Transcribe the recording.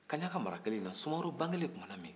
kaɲaka mara kelen in na sumaworo bangelen tuma min